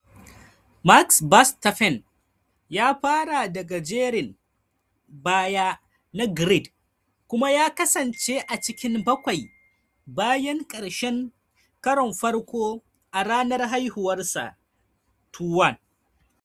Max Verstappen ya fara daga jerin baya na grid kuma ya kasance a cikin bakwai bayan ƙarshen karon farko a ranar haihuwarsa 21.